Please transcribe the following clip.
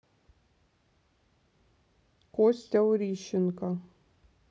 костя урищенко